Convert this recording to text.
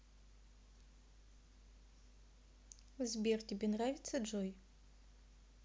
сбер тебе нравится джой